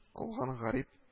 Алган гарип